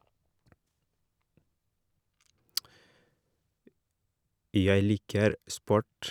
Jeg liker sport.